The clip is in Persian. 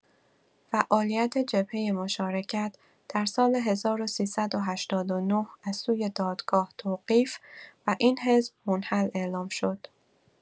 فعالیت جبهه مشارکت در سال ۱۳۸۹ از سوی دادگاه توقیف و این حزب منحل اعلام شد.